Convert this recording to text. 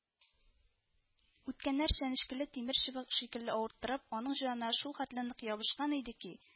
Үткәннәр чәнечкеле тимер чыбык шикелле авырттырып аның җанына шул хәтле нык ябышкан иде ки